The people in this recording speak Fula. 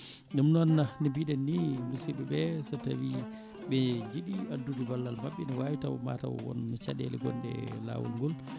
ɗum noon no mbiɗen ni musibɓeɓe so tawi ɓe jiiɗi addude ballal mabɓe ne wawi taw ko mataw woon caɗele gonɗe e lawol ngol